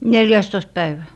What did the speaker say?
neljästoista päivä